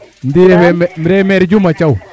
ndi refe mére Diouma Thiaw